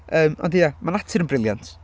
Yym, ond ia. Mae natur yn brilliant.